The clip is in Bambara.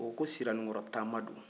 u ko ko siranikɔrɔ tanba don